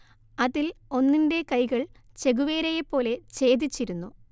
അതിൽ ഒന്നിന്റെ കൈകൾ ചെഗുവേരയെപ്പോലെ ഛേദിച്ചിരുന്നു